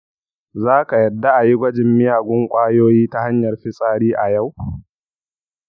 za ka yadda a yi gwajin miyagun ƙwayoyi ta hanyar fitsari a yau?